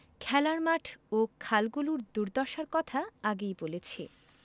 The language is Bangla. খেলার মাঠ ও খালগুলোর দুর্দশার কথা আগে বলেছি